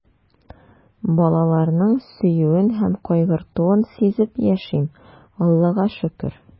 Балаларның сөюен һәм кайгыртуын сизеп яшим, Аллага шөкер.